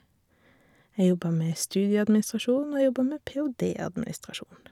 Jeg jobber med studieadministrasjon, og jeg jobber med PhD-administrasjon.